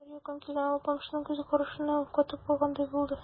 Шулкадәр якын килгән алпамшаның күз карашыннан ул катып калгандай булды.